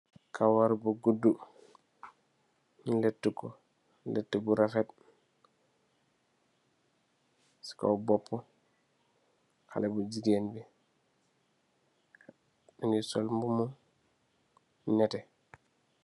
Kawar bu guddu nu lettu ko, lettu bu rafet. Ci kaw boppu haley bu jigeen bi mungi sol mbumu nètè.